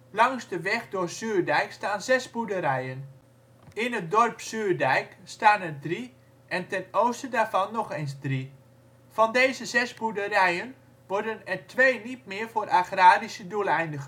Langs de weg door Zuurdijk staan zes boerderijen. In het dorp Zuurdijk staan er drie en ten oosten daarvan nog eens drie. Van deze zes boerderijen worden er twee niet meer voor agrarische doeleinden